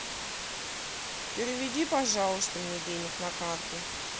переведи пожалуйста денег мне на карту